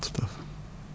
tout à fait